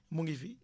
mu ngi fi